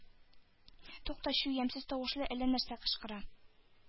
Тукта, чү! Ямьсез тавышлы әллә нәрсә кычкыра.